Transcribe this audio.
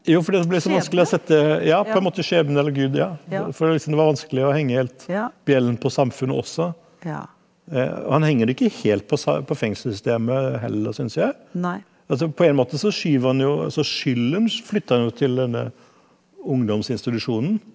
jo fordi at det blir så vanskelig å sette ja på en måte skjebne eller gud ja for liksom det var vanskelig å henge helt bjellen på samfunnet også, og han henger de ikke helt på på fengselssystemet heller syns jeg, altså på en måte så skyver han jo altså skylden flytter han jo til denne ungdomsinstitusjonen.